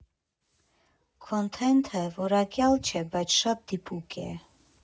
Քոնթենթը որակյալ չէ, բայց շատ դիպուկ է։